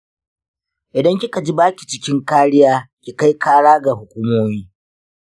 idan kikaji baki cikin kariya, ki kai kara ga hukumomi.